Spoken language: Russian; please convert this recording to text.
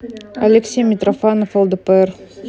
алексей митрофанов лдпр